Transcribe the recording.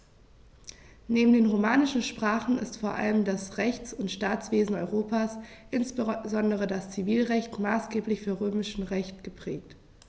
Neben den romanischen Sprachen ist vor allem das Rechts- und Staatswesen Europas, insbesondere das Zivilrecht, maßgeblich vom Römischen Recht geprägt.